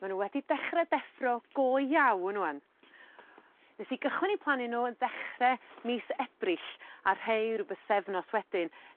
Ma' n'w wedi dechre deffro go iawn ŵan. Nes i gychwyn eu plannu n'w yn ddechre mis Ebrill a rhei ryw bythefnos wedyn